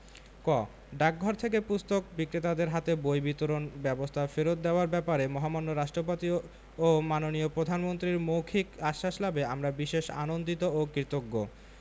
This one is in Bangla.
ক ডাকঘর থেকে পুস্তক বিক্রেতাদের হাতে বই বিতরণ ব্যবস্থা ফেরত দেওয়ার ব্যাপারে মহামান্য রাষ্ট্রপতি ও মাননীয় প্রধানমন্ত্রীর মৌখিক আশ্বাস লাভে আমরা বিশেষ আনন্দিত ও কৃতজ্ঞ